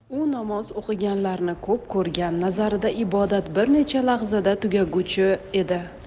u namoz o'qiganlarni ko'p ko'rgan nazarida ibodat bir necha lahzada tugaguchi edi